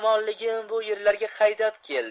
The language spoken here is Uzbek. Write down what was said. yomonligim bu yerlarga hay dab keldi